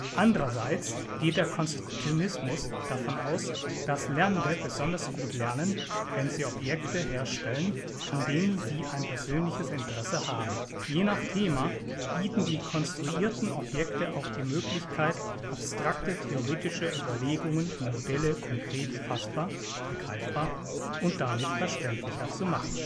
Andererseits geht der Konstruktionismus davon aus, dass Lernende besonders gut lernen, wenn sie Objekte herstellen, an denen sie ein persönliches Interesse haben. Je nach Thema bieten die konstruierten Objekte auch die Möglichkeit, abstrakte theoretische Überlegungen und Modelle konkret fassbar („ begreifbar “) und damit verständlicher zu machen